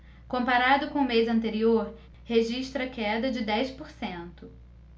comparado com o mês anterior registra queda de dez por cento